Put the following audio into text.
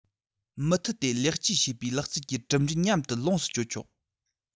མུ མཐུད དེ ལེགས བཅོས བྱས པའི ལག རྩལ གྱི གྲུབ འབྲས མཉམ དུ ལོངས སུ སྤྱོད ཆོག